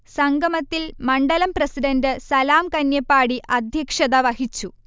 സംഗമത്തിൽ മണ്ഢലം പ്രസിഡന്റ് സലാം കന്ന്യപ്പാടി അദ്ധ്യക്ഷത വഹിച്ചു